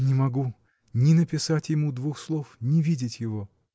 — Не могу ни написать ему двух слов, ни видеть его.